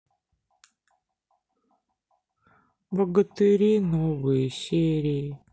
богатыри новые серии